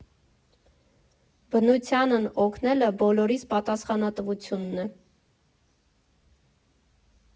Բնությանն օգնելը բոլորիս պատասխանատվությունն է։